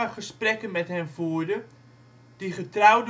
gesprekken met hen voerde die getrouw